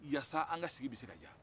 walasa an ka sigi bɛ se ka ja